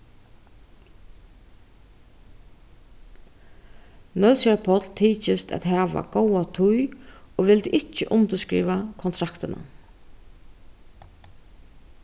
nólsoyar páll tykist at hava góða tíð og vildi ikki undirskriva kontraktina